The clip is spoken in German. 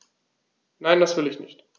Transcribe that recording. Nein, das will ich nicht.